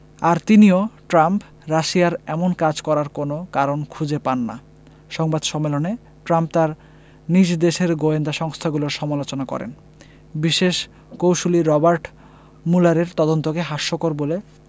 আর তিনিও ট্রাম্প রাশিয়ার এমন কাজ করার কোনো কারণ খুঁজে পান না সংবাদ সম্মেলনে ট্রাম্প তাঁর নিজ দেশের গোয়েন্দা সংস্থাগুলোর সমালোচনা করেন বিশেষ কৌঁসুলি রবার্ট ম্যুলারের তদন্তকে হাস্যকর বলে